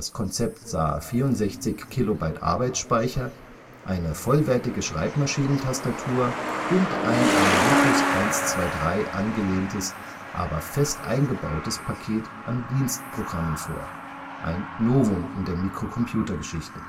Konzept sah 64 KB Arbeitsspeicher, eine vollwertige Schreibmaschinentastatur und ein an Lotus 1-2-3 angelehntes, aber fest eingebautes Paket an Dienstprogrammen vor – ein Novum in der Mikrocomputergeschichte